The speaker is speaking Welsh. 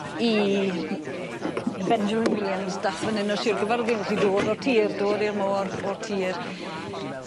i m- Benjamin Williams dath fyn 'yn o Sir Gafyrddin felly dod o'r tir dod i'r mor o'r tir.